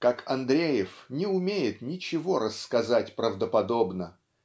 как Андреев не умеет ничего рассказать правдоподобно